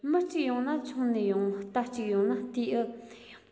མི གཅིག ཡོང ན ཆུང ནས ཡོང རྟ གཅིག ཡོང ན རྟེའུ ནས ཡོང